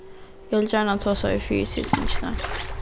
eg vil gjarna tosa við fyrisitingina